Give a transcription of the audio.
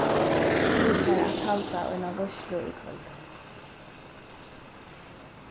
vit fara at halda eina veitslu í kvøld